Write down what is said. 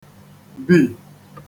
-bì